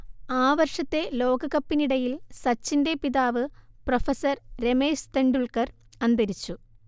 ആ വർഷത്തെ ലോകകപ്പിനിടയിൽ സച്ചിന്റെ പിതാവ് പ്രൊഫസർ രമേശ് തെൻഡുൽക്കർ അന്തരിച്ചു